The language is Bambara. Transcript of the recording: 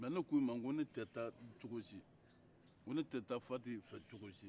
mɛ ne k'o ma ko ne tɛ taa cogosi ko ne tɛ taa fati kun cogosi